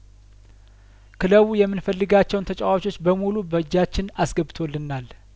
ክለቡ የምን ፈልጋቸውን ተጫዋቾች በሙሉ በእጃችን አስገብቶልናል